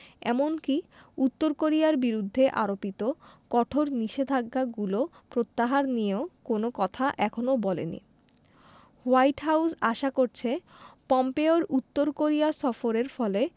এমনকি উত্তর কোরিয়ার বিরুদ্ধে আরোপিত কঠোর নিষেধাজ্ঞাগুলো প্রত্যাহার নিয়েও কোনো কথা এখনো বলেনি হোয়াইট হাউস আশা করছে পম্পেওর উত্তর কোরিয়া সফরের ফলে